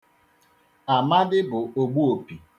Amadị bụ ogbu opi.